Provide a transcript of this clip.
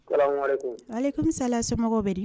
Ale kɔmimisala somɔgɔw bɛ